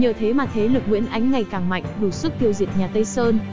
nhờ thế mà thế lực nguyễn ánh ngày càng mạnh đủ sức tiêu diệt nhà tây sơn